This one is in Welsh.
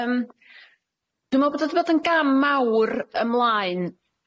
Y- yym Dwi me'wl bod o 'di bod yn gam mawr ymlaen,